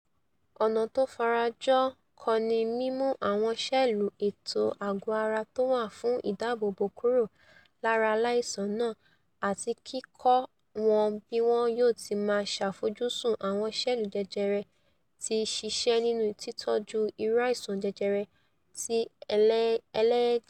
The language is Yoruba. Ọ́ná tó farajọ ọ́ kan ni mímú àwọn ṣẹ́ẹ̀lì ètò àgọ́-ara tówà fún ìdáààbòbò kùrò lára aláìsàn náà àti ''kíkọ́'' wọn bí wọn yóò ti máa ṣàfojúsùn àwọn ṣẹ́ẹ̀lì jẹjẹrẹ ti ṣiṣẹ́ nínú títọ́jú irú áìsàn jẹjẹrẹ ti ẹlẹ́ẹ̀jẹ̀.